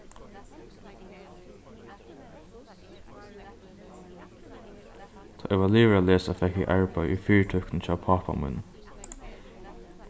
tá eg var liðugur at lesa fekk eg arbeiði í fyritøkuni hjá pápa mínum